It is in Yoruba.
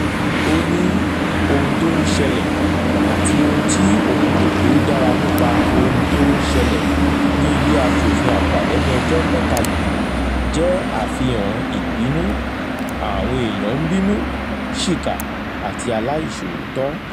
Ó ní “Ohun tó ń ṣẹlẹ̀, àti ohun tí òun rò pé ó dára nípa ohun tó ń ṣẹlẹ̀ ní Ilé Aṣòfin Àgbà lẹ́nu ọjọ́ mẹ́ta yìí jẹ́ àfihàn ìbínú. Àwọn èèyàn ń bínú, ṣìkà, àti aláìṣòótọ́.”